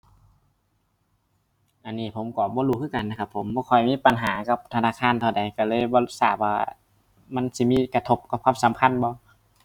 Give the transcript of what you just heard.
อันนี้ผมก็บ่รู้คือกันนะครับ ผมบ่ค่อยมีปัญหากับธนาคารเท่าใด ก็เลยบ่ทราบว่ามันสิมีกระทบกับความสัมพันธ์บ่